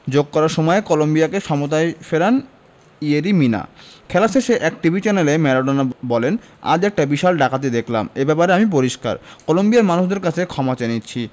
যোগ করা সময়ে কলম্বিয়াকে সমতায় ফেরান ইয়েরি মিনা খেলা শেষে এক টিভি চ্যানেলে ম্যারাডোনা বলেন আজ একটা বিশাল ডাকাতি দেখলাম এ ব্যাপারে আমি পরিষ্কার কলম্বিয়ার মানুষের কাছে ক্ষমা চেয়ে নিচ্ছি